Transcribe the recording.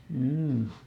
mm